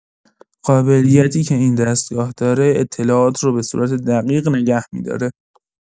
قابلیتی که این دستگاه داره، اطلاعات رو به صورت دقیق نگه می‌داره.